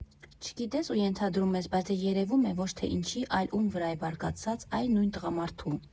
Չգիտես ու ենթադրում ես, բայց դե երևում է՝ ոչ թե ինչի, այլ ում վրա է բարկացած՝ այ, նույն տղամարդու։